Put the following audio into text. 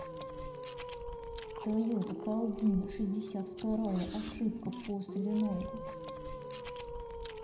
тойота калдина шестьдесят вторая ошибка по соленоиду